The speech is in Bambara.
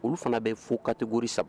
Olu fana bɛ fo katɛgri saba